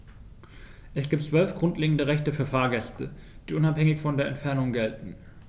Es gibt 12 grundlegende Rechte für Fahrgäste, die unabhängig von der Entfernung gelten.